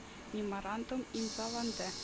Меморандум имзаланды